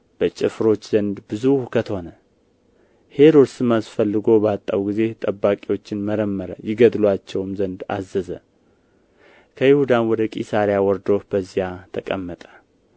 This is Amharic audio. በጭፍሮች ዘንድ ብዙ ሁከት ሆነ ሄሮድስም አስፈልጎ ባጣው ጊዜ ጠባቂዎችን መረመረ ይገድሉአቸውም ዘንድ አዘዘ ከይሁዳም ወደ ቂሣርያ ወርዶ በዚያ ተቀመጠ